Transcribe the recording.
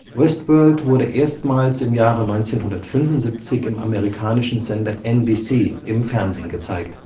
Westworld wurde erstmals im Jahre 1975 im amerikanischen Sender NBC im Fernsehen gezeigt